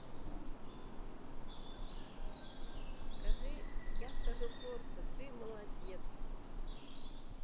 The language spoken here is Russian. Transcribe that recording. скажи я скажу просто ты молодец